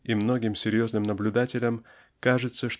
и многим серьезным наблюдателям кажется